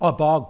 O, bog.